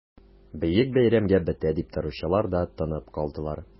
Бөек бәйрәмгә бетә дип торучылар да тынып калдылар...